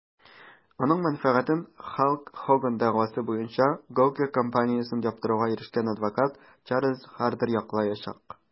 Аның мәнфәгатен Халк Хоган дәгъвасы буенча Gawker компаниясен яптыруга ирешкән адвокат Чарльз Хардер яклаячак.